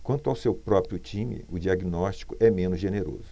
quanto ao seu próprio time o diagnóstico é menos generoso